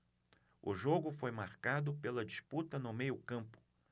o jogo foi marcado pela disputa no meio campo